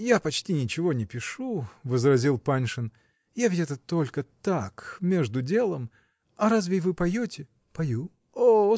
-- Я почти ничего не пишу, -- возразил Паншин, -- я ведь это только так, между делом. А разве вы поете? -- Пою. -- О!